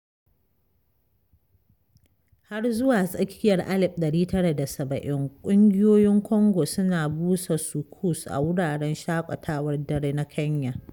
Har zuwa tsakiyar 1970, ƙungiyoyin Congo suna busa soukous a wuraren shaƙatawar dare na Kenya.